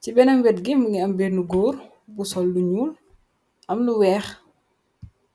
ci benam wet gi mu ngi am benne góor bu sol lu ñuul am lu weex.